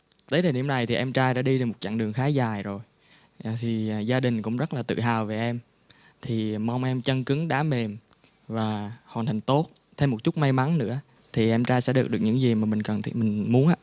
tới thời điểm này thì em trai đã đi được một chặng đường khá dài rồi thì gia đình cũng rất là tự hào về em thì mong em chân cứng đá mềm và hoàn thành tốt thêm một chút may mắn nữa thì em trai sẽ đạt được những gì mà mình cần mình muốn ạ